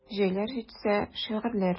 Җәйләр җитсә: шигырьләр.